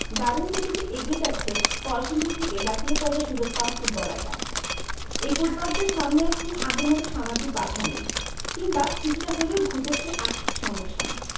দারুণ গতিতে এগিয়ে যাচ্ছে কলসিন্দুর থেকে জাতীয় পর্যায়ে সুযোগ পাওয়া ফুটবলাররা এই ফুটবলারদের সামনে এখন আগের মতো সামাজিক বাধা নেই কিংবা কিছুটা হলেও ঘুচেছে আর্থিক সমস্যা